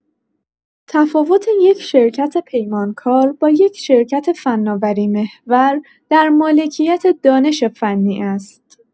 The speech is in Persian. تفاوت یک شرکت پیمانکار با یک شرکت فناوری‌محور در مالکیت دانش فنی است.